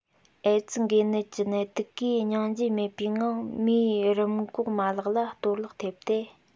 ཨེ ཙི འགོས ནད ཀྱི ནད དུག གིས སྙིང རྗེ མེད པའི ངང མིའི རིམས འགོག མ ལག ལ གཏོར བརླག ཐེབས ཏེ